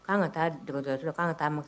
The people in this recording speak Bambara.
K'an ka taa dɔgɔtɔrɔso la k'an ka taa ma.